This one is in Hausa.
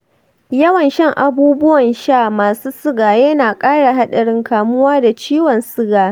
yawan shan abubuwan sha masu suga yana ƙara haɗarin kamuwa da ciwon suga.